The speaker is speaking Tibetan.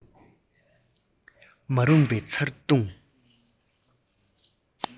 མ རུངས པའི ཚ གདུག